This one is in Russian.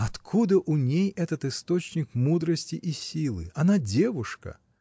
Откуда у ней этот источник мудрости и силы? Она — девушка!